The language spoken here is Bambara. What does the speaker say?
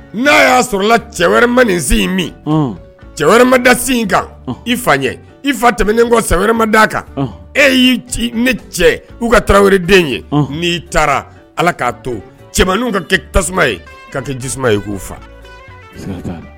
N'a y'a sɔrɔ la cɛ wɛrɛ ma nin sen in min cɛ wɛrɛ ma da sin in kan i fa ɲɛ i fa tɛmɛen kɔ sa wɛrɛ ma d kan e y'i ci ne cɛ ka tarawele wɛrɛ den ye n'i taara ala k'a to cɛmannin ka kɛ tasuma ye ka kɛ jiuma ye k'u faa